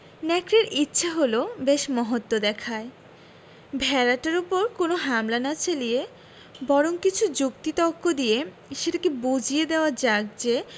নেকড়ের ইচ্ছে হল বেশ মহত্ব দেখায় ভেড়াটার উপর কোন হামলা না চালিয়ে বরং কিছু যুক্তি তক্ক দিয়ে সেটাকে বুঝিয়ে দেওয়া যাক যে